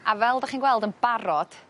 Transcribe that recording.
a fel 'dach chi'n gweld yn barod